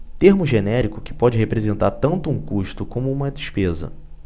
termo genérico que pode representar tanto um custo como uma despesa